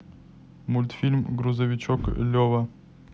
мультфильм грузовичок лева